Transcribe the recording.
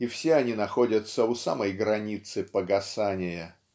и все они находятся у самой границы погасания.